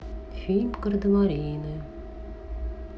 фильм гардемарины